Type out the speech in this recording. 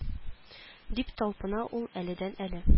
- дип талпына ул әледән-әле